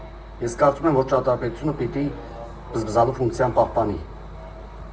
Ես կարծում եմ, որ ճարտարապետությունը պիտի բզբզալու ֆունկցիան պահպանի։